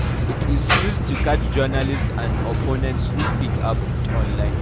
It is used to catch journalists and opponents who speak out online.